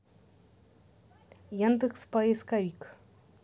яндекс поисковик